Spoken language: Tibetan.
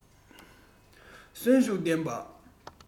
གསོན ཤུགས ལྡན པ